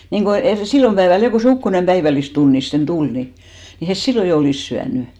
niin kuin eri silloin päivällä jo kun se ukkonen päivällistunnisten tuli niin niin he silloin jo olisi syönyt